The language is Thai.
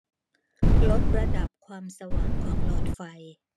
ลดระดับความสว่างของหลอดไฟ